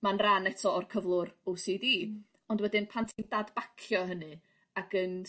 Ma'n ran eto o'r cyflwr ow si di ond wedyn pan ti'n dadbacio hynny ac yn